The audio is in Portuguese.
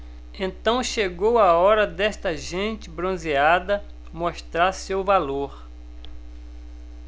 então chegou a hora desta gente bronzeada mostrar seu valor